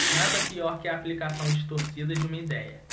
nada pior que a aplicação distorcida de uma idéia